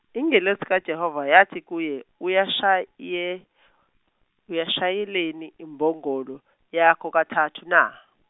ingelosi kaJehova yathi kuye Uyashaye, Uyishayeleni, imbongolo yakho kathathu na?